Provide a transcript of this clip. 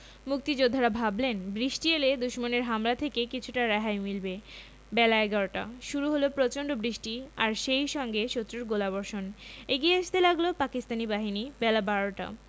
মুক্তিযোদ্ধারা ভাবলেন বৃষ্টি এলে দুশমনের হামলা থেকে কিছুটা রেহাই মিলবে বেলা এগারোটা শুরু হলো প্রচণ্ড বৃষ্টি আর সেই সঙ্গে শত্রুর গোলাবর্ষণ এগিয়ে আসতে লাগল পাকিস্তানি বাহিনী বেলা বারোটা